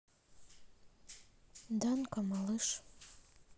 данка малыш